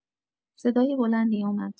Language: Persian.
صدای بلندی آمد.